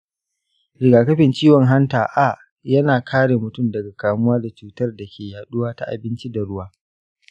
rigakafin ciwon hanta a yana kare mutum daga kamuwa da cutar da ke yaduwa ta abinci da ruwa.